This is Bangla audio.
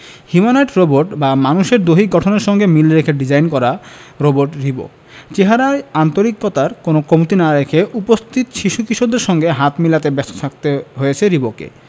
হিউম্যানোয়েড রোবট বা মানুষের দৈহিক গঠনের সঙ্গে মিল রেখে ডিজাইন করা রোবট রিবো চেহারায় আন্তরিকতার কোনো কমতি না রেখে উপস্থিত শিশু কিশোরদের সঙ্গে হাত মেলাতেই ব্যস্ত থাকতে হয়েছে রিবোকে